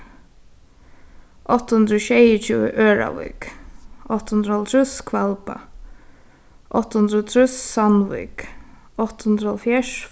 átta hundrað og sjeyogtjúgu ørðavík átta hundrað og hálvtrýss hvalba átta hundrað og trýss sandvík átta hundrað og hálvfjerðs